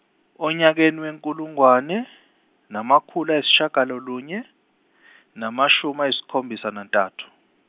onyakeni wenkulungwane, namakhulu ayisishiyagalolunye, namashumi ayisikhombisa nantathu.